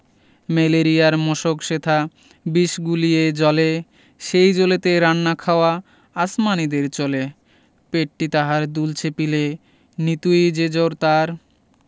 ম্যালেরিয়ার মশক সেথা বিষ গুলিয়ে জলে সেই জলেতে রান্নাখাওয়া আসমানীদের চলে পেটটি তাহার দুলছে পিলেয় নিতুই যে জ্বর তার